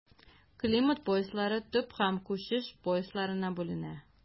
Климат пояслары төп һәм күчеш поясларына бүленә.